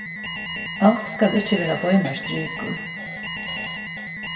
alt skal ikki vera beinar strikur